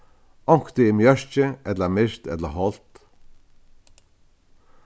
onkuntíð er mjørki ella myrkt ella hált